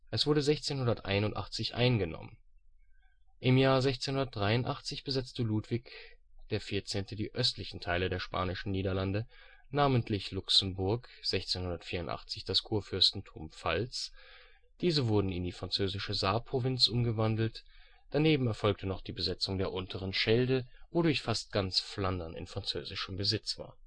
es wurde 1681 eingenommen. Im Jahr 1683 besetzte Ludwig XIV. die östlichen Teile der Spanischen Niederlande, namentlich Luxemburg, 1684 das Kurfürstentum Pfalz; diese wurden in die französische Saarprovinz umgewandelt. Daneben erfolgte noch die Besetzung der unteren Schelde, wodurch fast ganz Flandern in französischem Besitz war